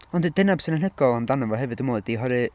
Ond d- dyna beth sy'n anhygoel amdano fo hefyd dwi'n meddwl ydy oherwydd...